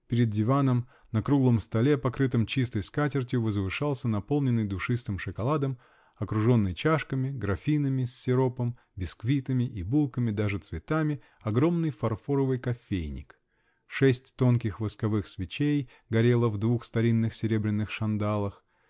Перед диваном, на круглом столе, покрытом чистой скатертью, возвышался наполненный душистым шоколадом, окруженный чашками, графинами с сиропом, бисквитами и булками, даже цветами, -- огромный фарфоровый кофейник шесть тонких восковых свечей горело в двух старинных серебряных шандалах